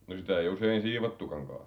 no sitä ei usein siivottukaan kai